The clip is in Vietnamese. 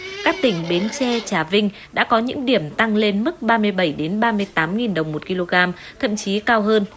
các tỉnh bến tre trà vinh đã có những điểm tăng lên mức ba mươi bảy đến ba mươi tám nghìn đồng một ki lô gam thậm chí cao hơn